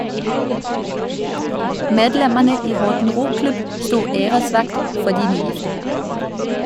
Medlemmene i Horten roklubb sto æresvakt for de nygifte.